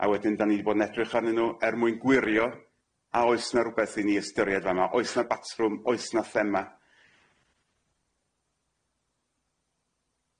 A wedyn dan ni di bod yn edrych arnyn nw er mwyn gwirio a oes na rwbeth i ni ystyried fan'na oes na batrwm oes na thema?